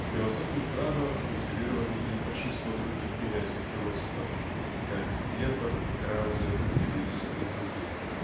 Философию права культивировали и большинство других немецких философов как Гербарт Краузе Фриз и другие.